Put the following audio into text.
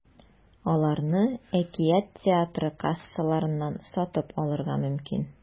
Аларны “Әкият” театры кассаларыннан сатып алырга мөмкин.